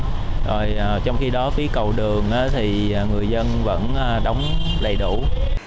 rồi trong khi đó phía cầu đường thì người dân vẫn đóng đầy đủ